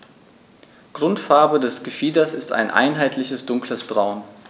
Grundfarbe des Gefieders ist ein einheitliches dunkles Braun.